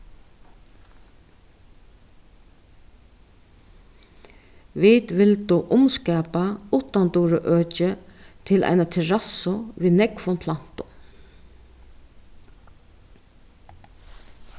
vit vildu umskapa uttanduraøki til eina terrassu við nógvum plantum